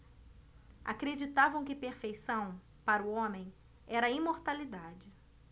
acreditavam que perfeição para o homem era a imortalidade